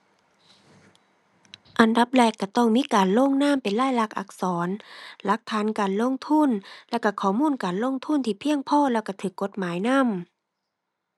อันดับแรกก็ต้องมีการลงนามเป็นลายลักษณ์อักษร หลักฐานการลงทุน แล้วก็ข้อมูลการลงทุนที่เพียงพอแล้วก็ก็กฎหมายนำ